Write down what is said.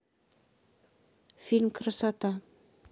фильм красота